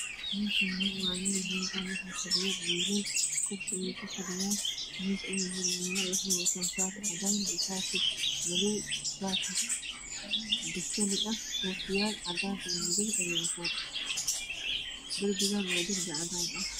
Meshani waa mel hool ah waxa fadhiyo wll kurs ayey kufadhiyan miis aa horyalo waxey watan shati cadan ah io shati madow shati beseli sh kofiyal cadan io madow ayey watan darbigan waa dirbi cadan ah